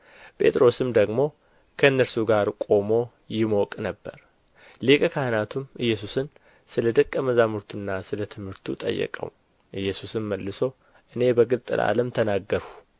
ጴጥሮስም ደግሞ ከእነርሱ ጋር ቆሞ ይሞቅ ነበር ሊቀ ካህናቱም ኢየሱስን ስለ ደቀ መዛሙርቱና ስለ ትምህርቱ ጠየቀው ኢየስስም መልሶ እኔ በግልጥ ለዓለም ተናገርሁ